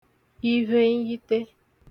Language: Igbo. ivhenyite